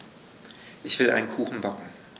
Ich will einen Kuchen backen.